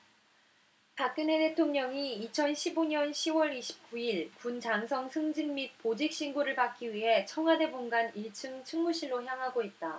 박근혜 대통령이 이천 십 오 년 시 월 이십 구 일 군 장성 승진 및 보직신고를 받기 위해 청와대 본관 일 층 충무실로 향하고 있다